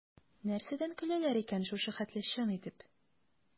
Нәрсәдән көләләр икән шушы хәтле чын итеп?